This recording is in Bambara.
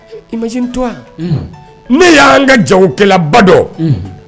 I ma to ne y'an ka jagokɛlabadɔ